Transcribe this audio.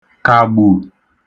kàgbù